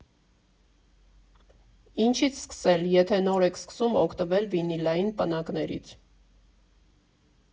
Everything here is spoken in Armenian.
Ինչից սկսել, եթե նոր եք սկսում օգտվել վինիլային պնակներից։